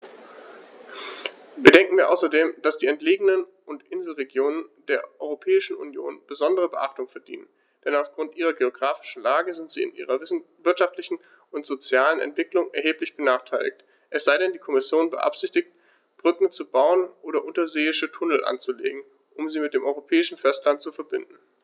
Bedenken wir außerdem, dass die entlegenen und Inselregionen der Europäischen Union besondere Beachtung verdienen, denn auf Grund ihrer geographischen Lage sind sie in ihrer wirtschaftlichen und sozialen Entwicklung erheblich benachteiligt - es sei denn, die Kommission beabsichtigt, Brücken zu bauen oder unterseeische Tunnel anzulegen, um sie mit dem europäischen Festland zu verbinden.